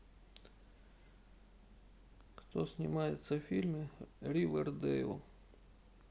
кто снимается в фильме ривердейл